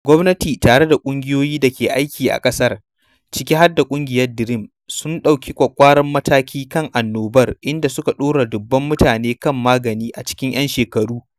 Gwamnati tare da ƙungiyoyi da ke aiki a ƙasar, ciki har da ƙungiyar DREAM, sun ɗauki ƙwaƙƙwaran mataki kan annobar, inda suka ɗora dubban mutane kan magani a cikin ‘yan shekaru.